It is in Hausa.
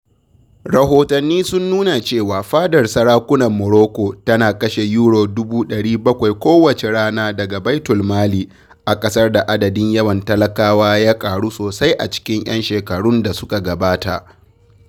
Rahotanni sun nuna cewa fadar sarakunan Morocco tana kashe Euro dubu 700 kowace rana daga baitulmali, a ƙasar da adadin yawan talakawa ya ƙaru sosai a cikin 'yan shekarun da suka gabata.